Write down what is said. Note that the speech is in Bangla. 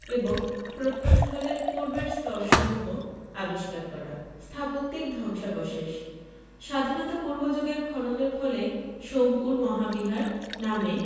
এবং প্রত্নস্থলের পূর্বের স্তরসমূহ আবিষ্কার করা স্থাপত্যিক ধ্বংসাবশেষ স্বাধীনতা পূর্ব যুগের খননের ফলে সোমপুর মহাবিহার নামে